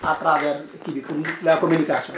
à travers kii bi pour mu la communication